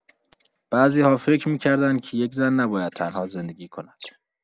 بعضی‌ها فکر می‌کردند که یک زن نباید تنها زندگی کند.